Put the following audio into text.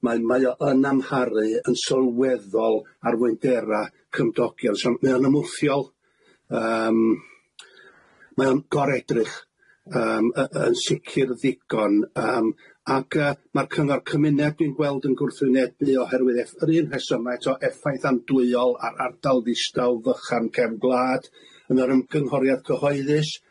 Mae mae o yn amharu yn sylweddol ar wendera' cymdogion so mae o'n ymwthiol, yym mae o'n goredrych yym y- y- yn sicr ddigon yym ac yy ma'r cyngor cymuned dwi'n gweld yn gwrthwynebu oherwydd eff- yr un rhesymau eto, effaith andwyol ar ardal ddistaw fychan cefn gwlad yn yr yym gynghoriad cyhoeddus.